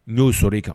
N y'o sɔrɔ i kan